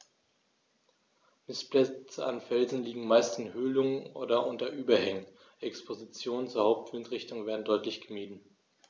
Nistplätze an Felsen liegen meist in Höhlungen oder unter Überhängen, Expositionen zur Hauptwindrichtung werden deutlich gemieden.